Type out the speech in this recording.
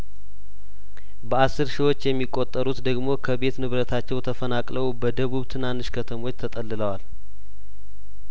በአስር ሺዎች የሚቆጠሩት ደግሞ ከቤት ንብረታቸው ተፈናቅለው በደቡብ ትናንሽ ከተሞች ተጠልለዋል